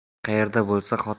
er qayerda bo'lsa